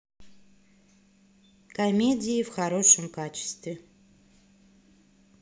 комедии в хорошем качестве